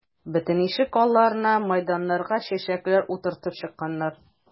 Бөтен ишек алларына, мәйданнарга чәчәкләр утыртып чыкканнар.